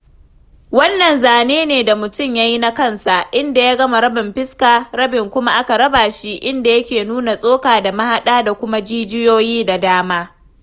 Wannan zane ne da mutum ya yi na kansa, inda ya gama rabin fuska, rabin kuma aka raba shi, inda yake nuna tsoka da mahaɗa da kuma jijiyoyi da dama.